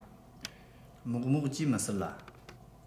མོག མོག ཅེས མི ཟེར ལ